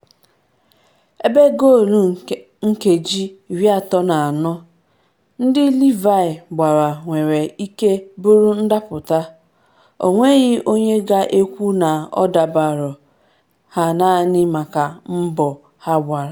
Ebe goolu nkeji 34th ndị Livi gbara nwere ike bụrụ ndapụta, ọ nweghị onye ga-ekwu na ọ dabarọ ha naanị maka mbọ ha gbara.